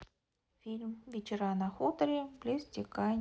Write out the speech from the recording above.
фильм вечера на хуторе близ диканьки